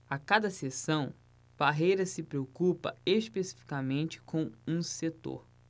a cada sessão parreira se preocupa especificamente com um setor